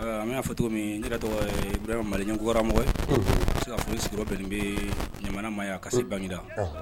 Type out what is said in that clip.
Aa ɲ'a fɔ togo miin n yɛrɛ tɔgɔ ye Ibrahim Malle n ɲe guwara mɔgɔ ye unhun n be se ka fɔ ne sigiyɔrɔ bɛnnen bee Ɲamana ma yan ka se Banguida ɔhɔ